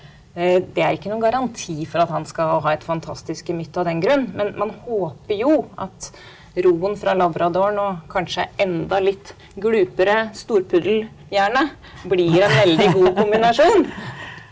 det er ikke noen garanti for at han skal ha et fantastisk gemytt av den grunn, men man håper jo at roen fra labradoren og kanskje enda litt glupere storpuddel gjerne, blir en veldig god kombinasjon.